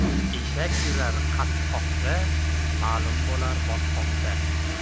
eshak yurar qatqoqda ma'lum bo'lar botqoqda